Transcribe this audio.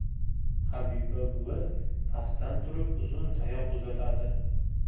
habiba buvi pastdan turib uzun tayoq uzatadi